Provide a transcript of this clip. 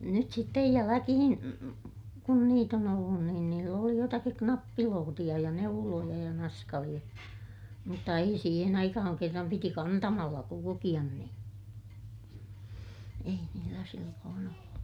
nyt sitten jälkeen kun niitä on ollut niin niillä oli jotakin nappilootia ja neuloja ja naskaleita mutta ei siihen aikaan kerran piti kantamalla kulkea niin ei niillä silloin ollut